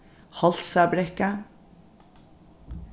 hálsabrekka